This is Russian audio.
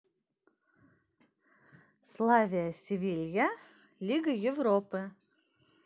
славия севилья лига европы